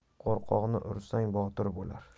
qo'rqoqni ursang botir bo'lar